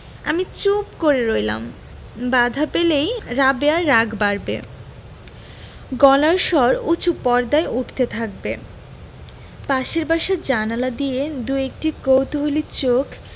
আমি চুপ করে রইলাম বাধা পেলেই রাবেয়ার রাগ বাড়বে গলার স্বর উচু পর্দায় উঠতে থাকবে পাশের বাসার জানালা দিয়ে দুএকটি কৌতুহলী চোখ